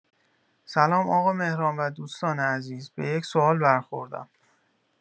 سلام آقا مهران و دوستان عزیز به یک سوال برخوردم